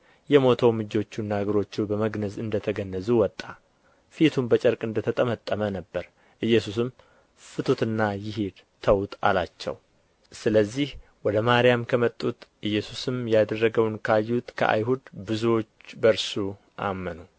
የሞተውም እጆቹና እግሮቹ በመግነዝ እንደ ተገነዙ ወጣ ፈቱም በጨርቅ እንደ ተጠመጠመ ነበር ኢየሱስም ፍቱትና ይሂድ ተዉት አላቸው ስለዚህ ወደ ማርያም ከመጡት ኢየሱስም ያደረገውን ካዩት ከአይሁድ ብዙዎች በእርሱ አመኑ